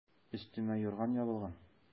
Өстемә юрган ябылган.